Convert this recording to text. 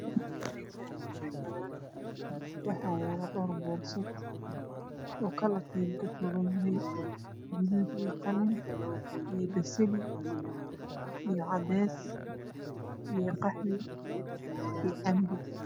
Meeshaani waa meel banaan waxaa yaala dhawr boorso oo kalarkoodu ka kooban yahay gaduud ,khalin, basali cadeys , qaxwi iyo cambe.